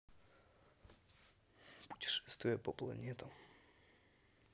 путешествие по планетам